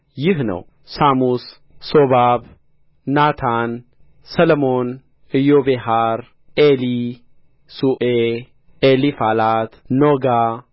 ይህ ነው ሳሙስ ሶባብ ናታን ሰሎሞን ኢያቤሐር ኤሊሱዔ ኤሊፋላት ኖጋ